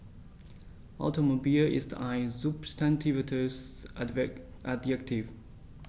Automobil ist ein substantiviertes Adjektiv.